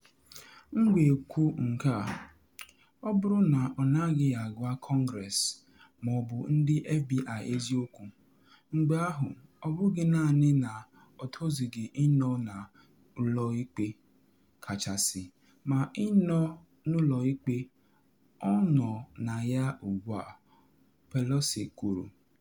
“M ga-ekwu nke a -- ọ bụrụ na ọ naghị agwa Kọngress ma ọ bụ ndị FBI eziokwu, mgbe ahụ ọ bụghị naanị na o tozughi ịnọ na Ụlọ Ikpe Kachasị, ma ị nọ n’ụlọ ikpe ọ nọ na ya ugbu a,” Pelosi kwuru.